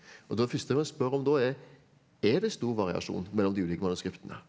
og da er det første jeg vil spørre om da er, er det stor variasjon mellom de ulike manuskriptene?